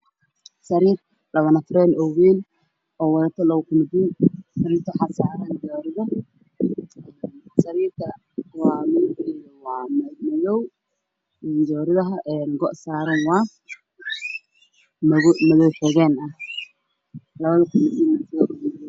Waxaa i mooda sariir nafar iyo bar ah oo midabkeedu yahay madow go-aan waa buluug iyo caddaan waxaa darbi ku tirsan joodari aan mara saarneyn oo cad